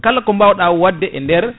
kala ko bawɗa wadde e nder